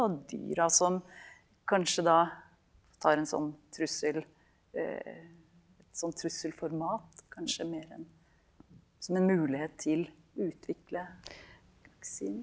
og dyra som kanskje da tar en sånn trussel sånn trussel for mat kanskje mer enn som en mulighet til utvikle vaksiner.